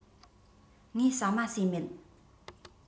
ངས ཟ མ ཟོས མེད